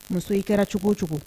Muso i kɛra cogo o cogo